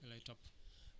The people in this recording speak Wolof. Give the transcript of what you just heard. lay topp